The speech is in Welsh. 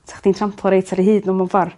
sa chdi'n tramplo reit ar 'u hyd n'w mewn ffor.